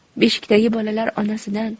beshikdagi bolalar onasidan